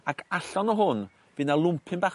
ag allon o hwn by' 'na lwmpyn bach